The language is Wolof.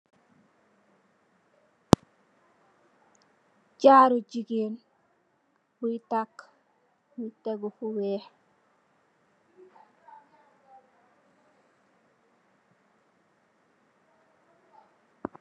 Jaru jigeen muy taak mu tégu fu wèèx.